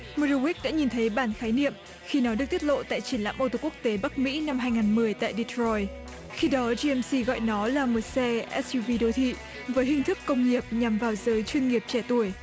mô đô quích đã nhìn thấy bản khái niệm khi nó được tiết lộ tại triển lãm ô tô quốc tế bắc mỹ năm hai ngàn mười tại đi troi khi đó chi em si gọi nó là một xe ét si vi đô thị với hình thức công nghiệp nhằm vào giới chuyên nghiệp trẻ tuổi